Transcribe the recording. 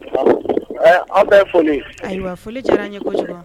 An bɛ boli ayiwa foli diyara ye ko kosɛbɛ